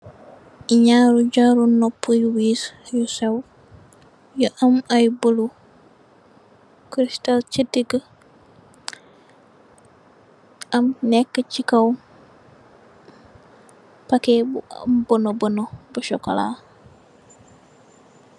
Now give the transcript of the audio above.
Naari jaaru noppa yu wess yu sew yu am ay bulu cristal si digi am lu neka si kaw paket bu am puna puna bu cxocola.